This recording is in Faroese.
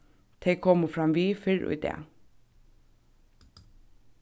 tey komu framvið fyrr í dag